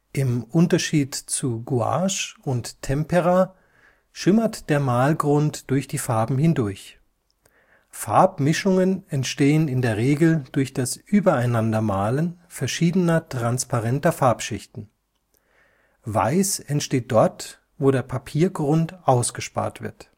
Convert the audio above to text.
Im Unterschied zu Gouache und Tempera schimmert der Malgrund durch die Farben hindurch. Farbmischungen entstehen in der Regel durch das Übereinandermalen verschiedener transparenter Farbschichten. Weiß entsteht dort, wo der Papiergrund ausgespart wird